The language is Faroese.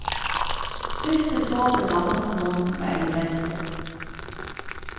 fyrsti sopin av koppinum var hin besti